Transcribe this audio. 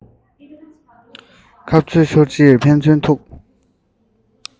ཁ རྩོད ཤོར རྗེས ཕན ཚུན ཐུག